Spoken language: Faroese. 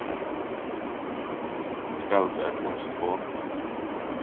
spælir tú enn saksofon